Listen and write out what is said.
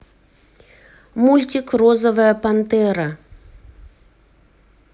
мультик розовая пантера